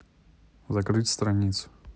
закрыть страницу